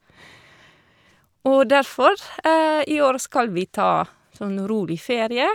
Og derfor, i år skal vi ta sånn rolig ferie.